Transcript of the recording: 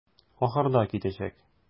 Ахырда китәчәк.